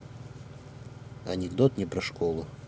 анекдот не про школу